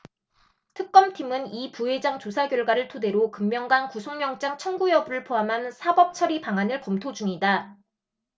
특검팀은 이 부회장 조사 결과를 토대로 금명간 구속영장 청구 여부를 포함한 사법처리 방안을 검토 중이다